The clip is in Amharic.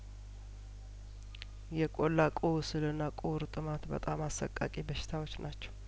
የቆላ ቁስልና ቁርጥ ማት በጣም አሰቃቂ በሽታዎች ናቸው